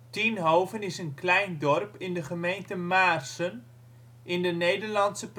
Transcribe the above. Tienhoven is een klein dorp in de gemeente Maarssen, in de Nederlandse